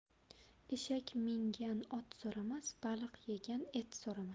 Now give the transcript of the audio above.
eshak mingan ot so'ramas baliq yegan et so'ramas